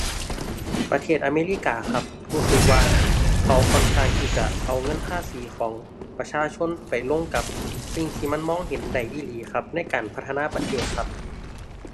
ประเทศอเมริกาครับ รู้สึกว่าเขาค่อนข้างที่จะเอาเงินภาษีของประชาชนไปลงกับสิ่งที่มันมองเห็นได้อีหลีครับ ในการพัฒนาประเทศครับ